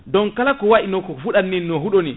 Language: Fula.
donc kala ko way ino ko fuɗata ni no huuɗo ni